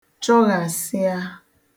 chụghàsịa